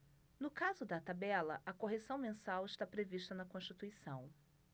no caso da tabela a correção mensal está prevista na constituição